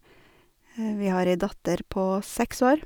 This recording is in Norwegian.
Vi har ei datter på seks år.